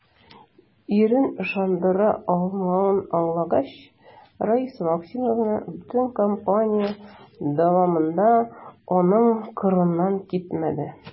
Ирен ышандыра алмавын аңлагач, Раиса Максимовна бөтен кампания дәвамында аның кырыннан китмәде.